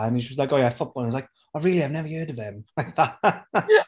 *And she was like, oh yeah, football", and she was like, "Oh really, I've never heard of him"